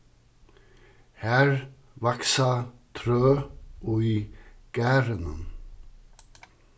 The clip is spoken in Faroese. har vaksa trø í garðinum